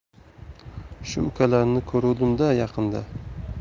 shu ukalarini ko'ruvdim da yaqinda